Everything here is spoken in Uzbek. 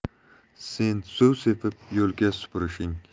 sen suv sepib yo'lka supurishing